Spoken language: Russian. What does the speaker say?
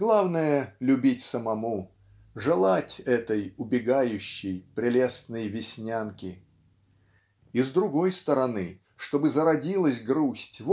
Главное - любить самому, желать этой убегающей прелестной Веснянки. И с другой стороны чтобы зародилась грусть